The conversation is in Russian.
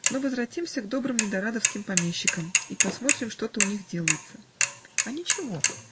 Но возвратимся к добрым ненарадовским помещикам и посмотрим, что-то у них делается. А ничего.